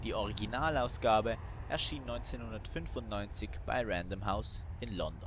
Originalausgabe erschien 1995 bei Random House, London